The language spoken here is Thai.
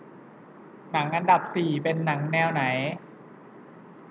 หนังอันดับสี่เป็นหนังแนวไหน